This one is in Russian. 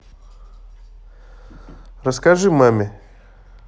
расскажи маме